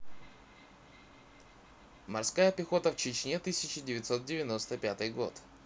морская пехота в чечне тысяча девятьсот девяносто пятый год